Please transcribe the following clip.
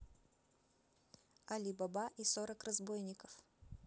али баба и сорок разбойников